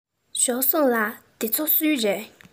ཞའོ སུང ལགས འདི ཚོ སུའི རེད